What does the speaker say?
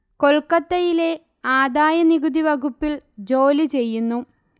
കൊൽക്കത്തയിലെ ആദായ നികുതി വകുപ്പിൽ ജോലി ചെയ്യുന്നു